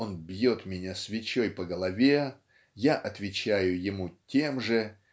он бьет меня свечой по голове я отвечаю ему тем же